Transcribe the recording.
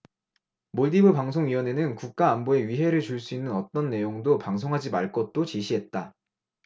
몰디브 방송위원회는 국가안보에 위해를 줄 수 있는 어떤 내용도 방송하지 말 것도 지시했다